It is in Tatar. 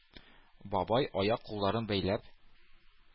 Бабай, аяк-кулларын бәйләп,